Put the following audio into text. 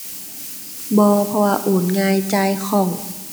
บ่ เพราะว่าโอนง่าย จ่ายคล่อง